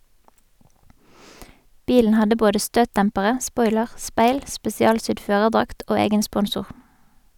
Bilen hadde både støtdempere, spoiler, speil, spesialsydd førerdrakt og egen sponsor.